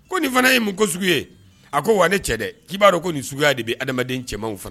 Ko nin fana ye mun ko sugu ye a ko wa ne cɛ dɛ k' b'a dɔn ko nin suguya de bɛ adamadamaden cɛmanw fɛ